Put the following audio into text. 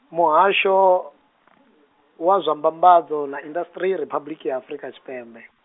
Muhasho, wa zwa mbambadzo na industry Riphabuḽiki ya Afrika Tshipembe.